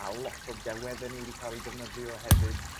a lot o ddelwedde ni wedi ca'l 'u defnyddio hefyd